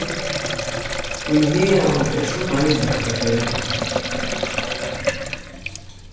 í haganum er so deiligt at vera